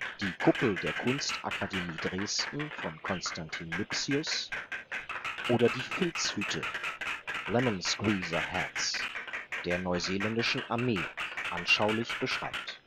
die Kuppel der Kunstakademie Dresden von Constantin Lipsius oder die Filzhüte (Lemon Squeezer Hats) der Neuseeländischen Armee anschaulich beschreibt